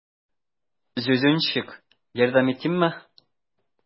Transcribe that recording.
Зюзюнчик, ярдәм итимме?